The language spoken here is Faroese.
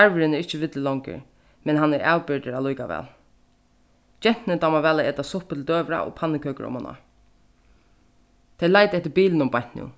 tarvurin er ikki villur longur men hann er avbyrgdur allíkavæl gentuni dámar væl at eta suppu til døgurða og pannukøkur omaná tey leita eftir bilinum beint nú